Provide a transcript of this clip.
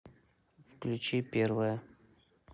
включи первое